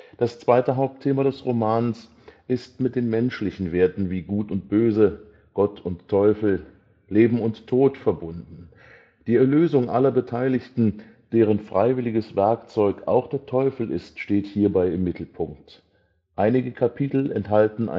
Das zweite Hauptthema des Romans ist mit den menschlichen Werten wie Gut und Böse, Gott und Teufel, Leben und Tod verbunden. Die Erlösung aller Beteiligten, deren freiwilliges Werkzeug auch der Teufel ist, steht hierbei im Mittelpunkt. Einige Kapitel enthalten